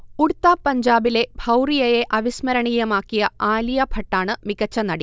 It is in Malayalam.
ഉഡ്താ പഞ്ചാബിലെ ഭൗറിയയെ അവിസ്മരണീയമാക്കിയ ആലിയ ഭട്ടാണ് മികച്ച നടി